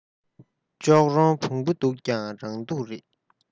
ལྕོག རོང བོང བུ སྡུག ཀྱང རང སྡུག རེད